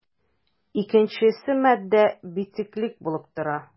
Икенчесе матдә бициклик булып тора.